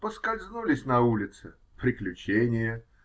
Поскользнулись на улице -- приключение